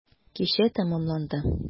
Кичә тәмамланды.